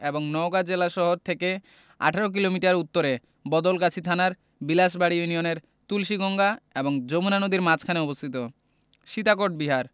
এবং নওগাঁ জেলাশহর থেকে ১৮ কিলোমিটার উত্তরে বদলগাছি থানার বিলাসবাড়ি ইউনিয়নে তুলসীগঙ্গা এবং যমুনা নদীর মাঝখানে অবস্থিত সীতাকোট বিহার